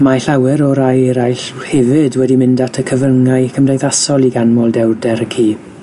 Mae llawer o rai eraill hefyd wedi mynd at y cyfryngau cymdeithasol i ganmol dewrder y ci,